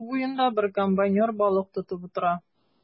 Су буенда бер комбайнер балык тотып утыра.